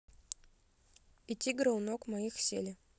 и тигры у ног моих сели